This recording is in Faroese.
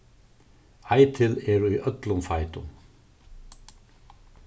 eitil er í øllum feitum